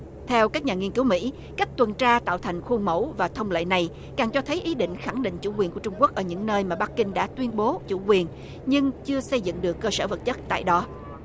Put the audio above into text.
theo các nhà nghiên cứu mỹ cách tuần tra tạo thành khuôn mẫu và thông lệ này càng cho thấy ý định khẳng định chủ quyền của trung quốc ở những nơi mà bắc kinh đã tuyên bố chủ quyền nhưng chưa xây dựng được cơ sở vật chất tại đó